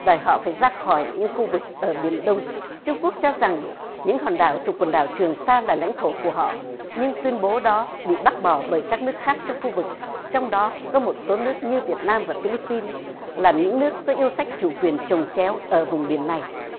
đẩy họ phải ra khỏi những khu vực ở miền đông trung quốc cho rằng những hòn đảo thuộc quần đảo trường sa là lãnh thổ của họ nhưng tuyên bố đó bị bác bỏ bởi các nước khác trong khu vực trong đó có một số nước như việt nam và phi líp pin là những nước có yêu sách chủ quyền chồng chéo ở vùng biển này